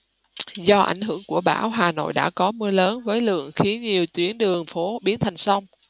do ảnh hưởng của bão hà nội đã có mưa lớn với lượng khiến nhiều tuyến đường phố biến thành sông